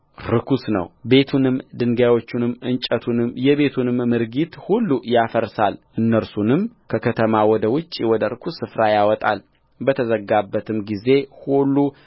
ርኩስ ነውቤቱንም ድንጋዮቹንም እንጨቱንም የቤቱንም ምርጊት ሁሉ ያፈርሳል እነርሱንም ከከተማው ወደ ውጭ ወደ ርኩስ ስፍራ ያወጣልበተዘጋበትም ጊዜ ሁሉ